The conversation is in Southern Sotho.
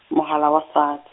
mohala wa fat-.